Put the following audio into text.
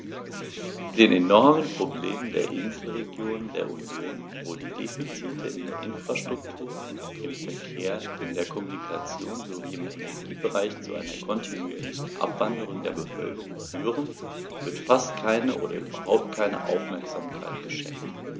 Den enormen Problemen der Inselregionen der Union, wo die Defizite in der Infrastruktur, im Verkehr, in der Kommunikation sowie im Energiebereich zu einer kontinuierlichen Abwanderung der Bevölkerung führen, wird fast keine oder überhaupt keine Aufmerksamkeit geschenkt.